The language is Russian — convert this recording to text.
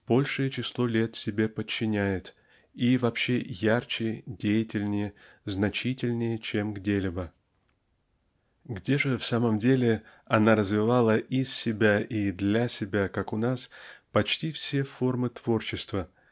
большее число лет себе подчиняет и вообще ярче деятельнее значительнее чем где-либо. Где же в самом деле она развивала из себя и для себя как у нас почти все формы творчества